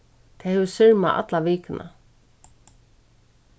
tað hevur sirmað alla vikuna